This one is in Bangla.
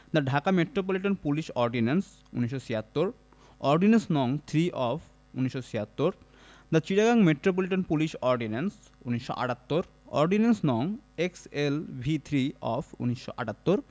The Dhaka metropolitan police ordinance ১৯৭৬ ordinance. নং. Three of ১৯৭৬ the Chittagong metropolitan police ordinance ১৯৭৮ ordinance. নং X L V three of ১৯৭৮